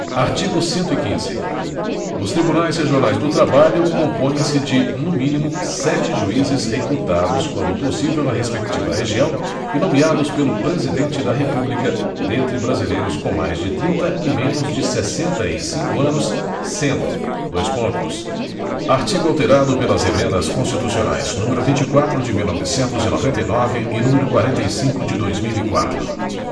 artigo cento e quinze os tribunais regionais do trabalho compõem se de no mínimo sete juízes recrutados quando possível na respectiva região e nomeados pelo presidente da república dentre brasileiros com mais de trinta e menos de sessenta e cinco anos sendo dois pontos artigo alterado pelas emendas constitucionais número vinte e quatro de mil novecentos e noventa e nove e número quarenta e cinco de dois mil e quatro